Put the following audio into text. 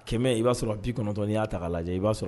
Kɛmɛ i b'a sɔrɔ bi kɔnɔntɔn n y'a ta lajɛ i b'a sɔrɔ